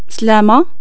بسلامة